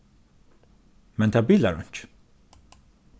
men tað bilar einki